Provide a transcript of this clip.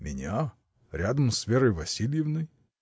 — Меня: рядом с Верой Васильевной?